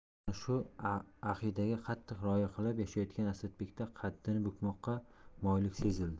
mana shu aqidaga qattiq rioya qilib yashayotgan asadbekda qaddini bukmoqqa moyillik sezildi